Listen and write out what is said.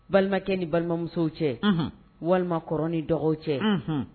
Balimakɛ ni balimamusow cɛ unhunwalima kɔrɔ ni dɔgɔw cɛ unhun